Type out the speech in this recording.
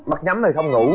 mắt nhắm thôi không ngủ